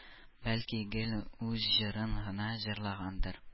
Бәлки, гел үз җырын гына җырлагандыр